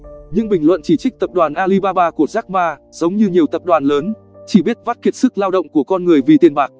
những bình luận chỉ trích tập đoàn alibaba của jack ma giống như nhiều tập đoàn lớn chỉ biết vắt kiệt sức lao động của con người vì tiền bạc